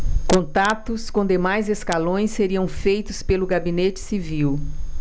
contatos com demais escalões seriam feitos pelo gabinete civil